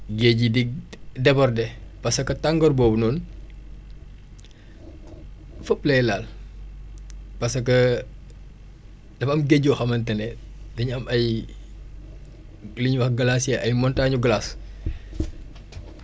géey yi di déborder parce que tàngoor boobu noonu fépp lay laal parce que dafa am géej yoo xamante ne dañu am ay li ñuy wax glaciers ay montagne ñu glaces